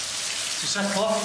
Ti setlo?